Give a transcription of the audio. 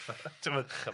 Ti'mod?